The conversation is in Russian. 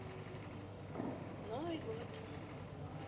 новый год